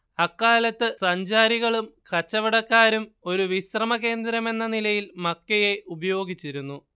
അക്കാലത്ത് സഞ്ചാരികളും കച്ചവടക്കാരും ഒരു വിശ്രമ കേന്ദ്രമെന്ന നിലയിൽ മക്കയെ ഉപയോഗിച്ചിരുന്നു